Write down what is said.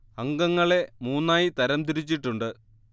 അംഗങ്ങളെ മൂന്നായി തരംതിരിച്ചിട്ടുണ്ട്